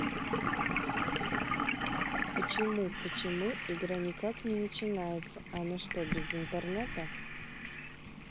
почему почему игра никак не начинается она что без интернета